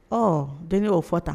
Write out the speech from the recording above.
Ɔ denkɛ y'o fɔ tan